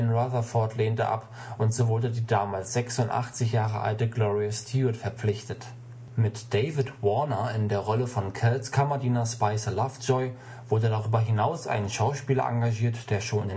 Rutherford lehnte ab und so wurde die damals 86 Jahre alte Gloria Stuart verpflichtet. Mit David Warner in der Rolle von Cals Kammerdiener Spicer Lovejoy wurde darüber hinaus ein Schauspieler engagiert, der schon